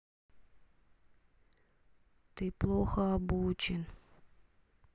ты плохо обучен